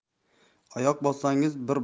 oyoq bossangiz bir